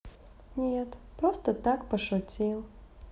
нет просто так пошутил